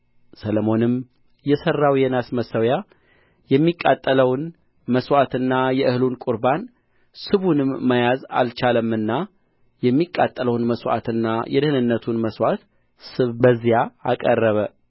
ሰሎሞንም የሠራው የናስ መሠዊያ የሚቃጠለውን መሥዋዕትና የእህሉን ቍርባን ስቡንም መያዝ አልቻለምና የሚቃጠለውን መሥዋዕትና የደኅንነቱን መሥዋዕት ስብ በዚያ አቀረበ